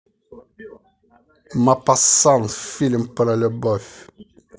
мопассан фильм про любовь